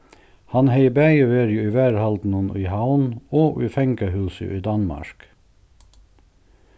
hann hevði bæði verið í varðhaldinum í havn og í fangahúsi í danmark